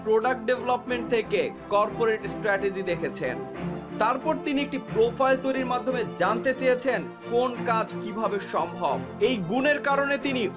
product development থেকে corporate strategy দেখেছেন তারপর তিনি একটি প্রোফাইল তৈরির মাধ্যমে জানতে চেয়েছেন কোন কাজ কিভাবে সম্ভব এই গুণের কারণে তিনি